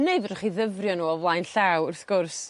neu fedrwch chi ddyfrio n'w o flaen llaw wrth gwrs.